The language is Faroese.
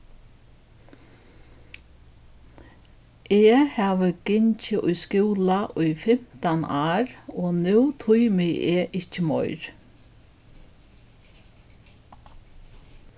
eg havi gingið í skúla í fimtan ár og nú tími eg ikki meir